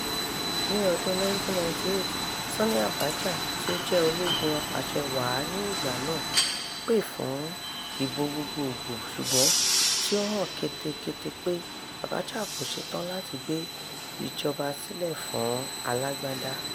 Ní ọdún 1998, Sani Abacha, tí ó jẹ́ ológun apàṣẹwàá ní ìgbà náà, pè fún ìbò gbogboògbò ṣùgbọ́n tí ó hàn ketekete pé Abacha kò ṣetán láti gbé ìjọba sílẹ̀ fún alágbádá.